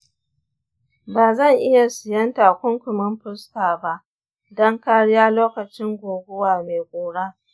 ba zan iya siyan takunkumin fuska ba don kariya lokacin guguwa mai ƙura.